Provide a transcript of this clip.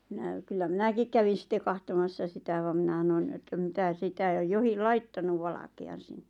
minä kyllä minäkin kävin sitten katsomassa sitä vaan minä sanoin että mitä sitä - johonkin laittanut valkean sinne